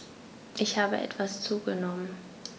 Ich habe etwas zugenommen